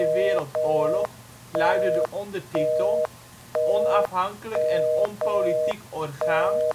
Wereldoorlog luidde de ondertitel Onafhankelijk en onpolitiek orgaan